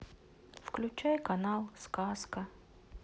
включай канал сказка